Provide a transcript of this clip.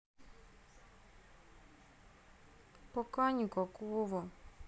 пока никакого